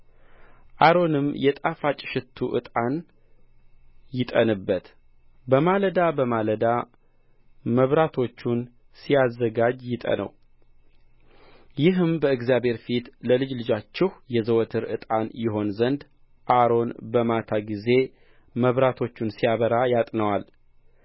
አሮንም የጣፋጭ ሽቱ እጣን ይጠንበት በማለዳ በማለዳ መብራቶቹን ሲያዘጋጅ ይጠነው ይህን በእግዚአብሔር ፊት ለልጅ ልጃችሁ የዘወትር ዕጣን ይሆን ዘንድ አሮን በማታ ጊዜ መብራቶቹን ሲያበራ ያጥነዋል